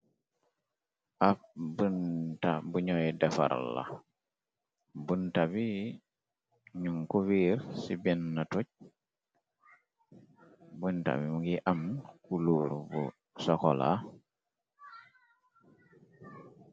Ab bunta bu nyo defar la, bunta bi nung ko wèr ci benna toun. Bunta bi mungi am kulóor bu sokola.